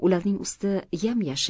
ularning usti yam yashil